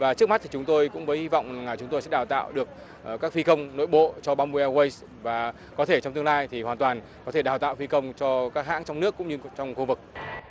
và trước mắt thì chúng tôi cũng có hy vọng là chúng tôi sẽ đào tạo được ờ các phi công nội bộ cho bam bô e guây và có thể trong tương lai thì hoàn toàn có thể đào tạo phi công cho các hãng trong nước cũng như trong khu vực